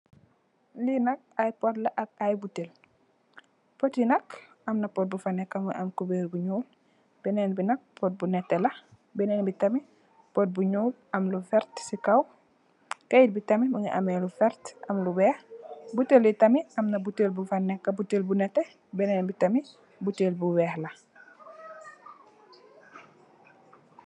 Lee nak aye pote la ak aye butel pote ye nak amna pote bufa neka muge ameh kuberr bu nuul benen be nak pote bu neteh la benen be tamin pote bu nuul am lu verte se kaw keyet be tamin muge am lu verte am lu weex butel ye tamin amna butel bufa neka butel bu neteh benen be tamin butel bu weex la.